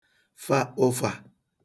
fa ụfa